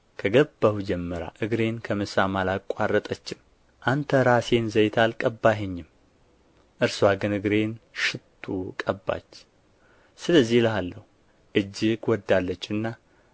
ከገባሁ ጀምራ እግሬን ከመሳም አላቋረጠችም አንተ ራሴን ዘይት አልቀባኸኝም እርስዋ ግን እግሬን ሽቱ ቀባች ስለዚህ እልሃለሁ እጅግ ወዳለችና